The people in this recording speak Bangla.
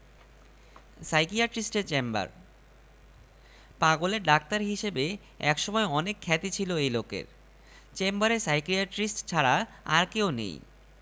মন্ত্রী মহোদয় বারান্দায় এসে দাঁড়ালেন রোদ উঠেছে আশপাশের সবকিছুর ছায়া পড়েছে অথচ তাঁর ছায়া পড়েনি আরে ভূত হয়ে গেলাম নাকি মনে মনে ভাবলেন তিনি